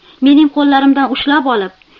mening qo'llarimdan ushlab olib